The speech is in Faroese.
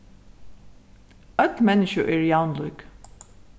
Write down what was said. øll menniskju eru javnlík